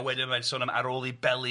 A wedyn mae'n sôn am ar ôl i Beli,